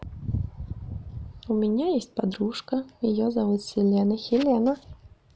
у меня есть подружка ее зовут селена хелена